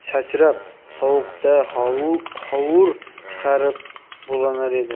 sachrab sovuqda hovur chiqarib bug'lanar edi